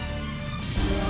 phát